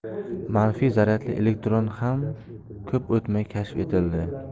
manfiy zaryadli elektron ham ko'p o'tmay kashf etildi